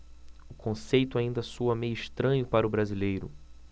o conceito ainda soa meio estranho para o brasileiro